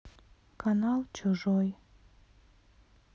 канал чужой